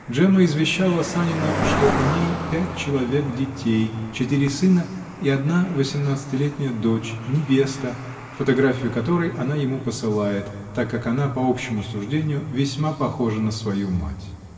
Джемма извещала Санина, что у ней пять человек детей -- четыре сына в одна восемнадцатилетняя дочь, невеста, фотографию которой она ему посылает, так как она, по общему суждению, весьма похожа на свою мать.